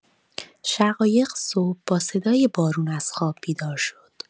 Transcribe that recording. شقایق صبح با صدای بارون از خواب بیدار شد.